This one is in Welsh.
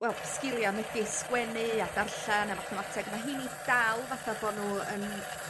wel sgilia megis sgwennu a darllen a mathemateg ma' rheini dal fatha bo' nw yn